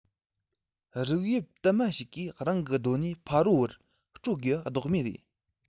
རིགས དབྱིབས དུ མ ཞིག གིས རང གི སྡོད གནས ཕ རོལ པོར སྤྲོད དགོས པ ལྡོག མེད རེད